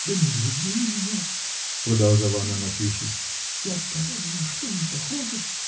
Да не гляди на меня, — продолжала она, напившись, — я стала ни на что не похожа!